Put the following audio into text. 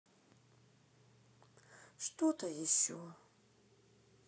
что то еще